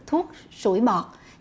thuốc sủi bọt